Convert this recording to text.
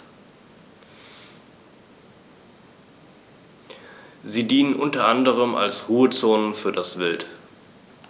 Sie dienen unter anderem als Ruhezonen für das Wild.